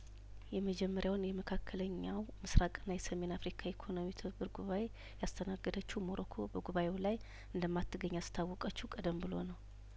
የመጀመሪያውን የመካከለኛ ውምስራቅና የሰሜን አፍሪካ የኢኮኖሚ ትብብር ጉባኤ ያስተናገደችው ሞሮኮ በጉባኤው ላይ እንደማትገኝ ያስታወቀችው ቀደም ብሎ ነው